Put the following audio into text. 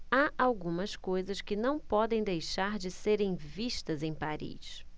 há algumas coisas que não podem deixar de serem vistas em paris